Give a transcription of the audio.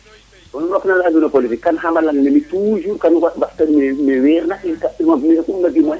rokim rangeer na politique kam xama nan mene toujours kam mba teen me wiir na